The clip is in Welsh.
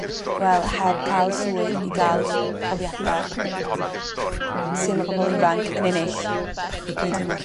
wel heb ca'l swydd i ga'l profiada sy ma' bobol ifanc yn ennill? Dwi'n teimlo.